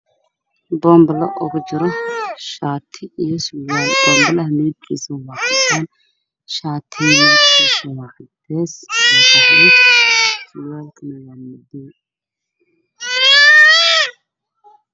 Waa boonbalo waxaa kujiro shaati iyo surwaal, shaatiga waa cadeys, surwaalkuna waa madow.